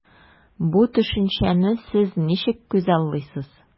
Бу төшенчәне сез ничек күзаллыйсыз?